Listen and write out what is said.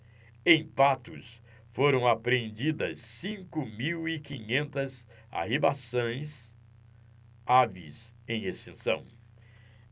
em patos foram apreendidas cinco mil e quinhentas arribaçãs aves em extinção